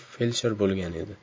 feldsher bo'lgan edi